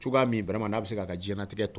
Cogoya'a min fana n' bɛ se ka diɲɛinɛtigɛ tɔ